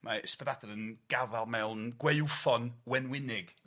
Ma' Ysbyddaden yn gafael mewn gwaywffon wenwynig.